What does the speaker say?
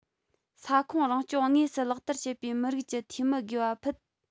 ས ཁོངས རང སྐྱོང དངོས སུ ལག བསྟར བྱེད པའི མི རིགས ཀྱི འཐུས མི དགོས པ ཕུད